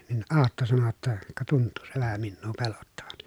niin Aatto sanoi jotta ka tuntuu se vähän minua pelottavan